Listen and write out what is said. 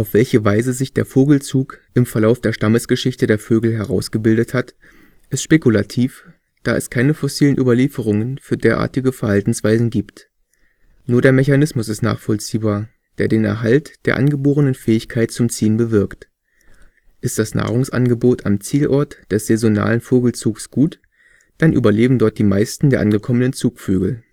welche Weise sich der Vogelzug im Verlauf der Stammesgeschichte der Vögel herausgebildet hat, ist spekulativ, da es keine fossilen Überlieferungen für derartige Verhaltensweisen gibt. Nur der Mechanismus ist nachvollziehbar, der den Erhalt der angeborenen Fähigkeit zum Ziehen bewirkt: Ist das Nahrungsangebot am Zielort des saisonalen Vogelzugs gut, dann überleben dort die meisten der angekommenen Zugvögel